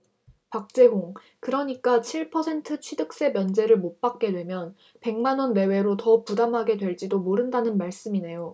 박재홍 그러니까 칠 퍼센트 취득세 면제를 못 받게 되면 백 만원 내외로 더 부담하게 될지도 모른다는 말씀이네요